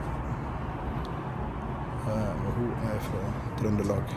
Og hun er fra Trøndelag.